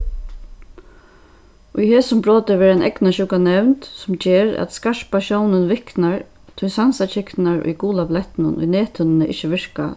í hesum broti verður ein eygnasjúka nevnd sum ger at skarpa sjónin viknar tí sansakyknurnar í gula blettinum í nethinnuni ikki virka